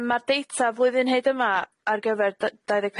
Yym ma'r deita flwyddyn hyd yma ar gyfer dy- dau ddeg